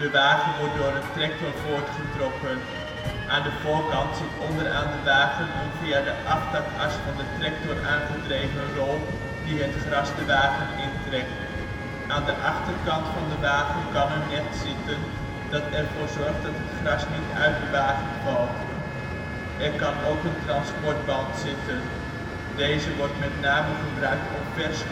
wagen wordt door een tractor voortgetrokken. Aan de voorkant zit onderaan de wagen een, via de aftakas van de tractor, aangedreven rol die het gras de wagen intrekt. Aan de achterkant van de wagen kan een net zitten, dat ervoor zorgt dat het gras niet uit de wagen valt. Er kan ook een transportband zitten. Deze wordt met name gebruikt om vers